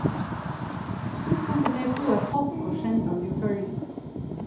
so skulu tey fáa eitt postkort sendandi úr føroyum